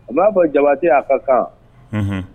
A b'a fɔ jabati aa ka kan